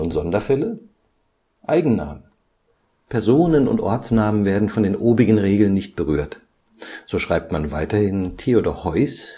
Sonderfälle: Eigennamen: Personen - und Ortsnamen werden von den obigen Regeln nicht berührt. So schreibt man weiterhin Theodor Heuss